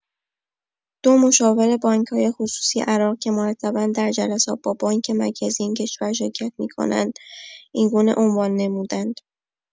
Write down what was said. دو مشاور بانک‌های خصوصی عراق که مرتبا در جلسات با بانک مرکزی این کشور شرکت می‌کنند، اینگونه عنوان نموده‌اند.